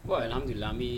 Kodu lambi